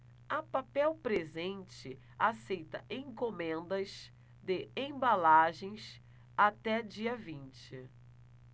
a papel presente aceita encomendas de embalagens até dia vinte